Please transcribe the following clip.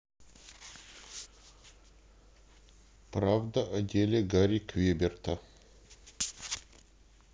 правда о деле гарри квеберта